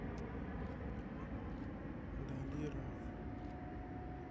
удали раф